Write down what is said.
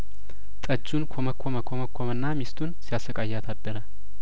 ጠጁን ኰመኰመ ኰመኰመና ሚስቱን ሲያሰቃያት አደረ